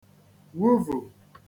wuvù